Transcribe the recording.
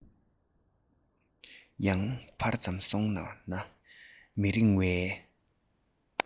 ཡང ཕར ཙམ སོང བ ན མི རིང བའི